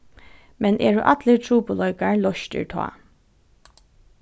men eru allir trupulleikar loystir tá